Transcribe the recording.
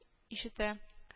Ишетә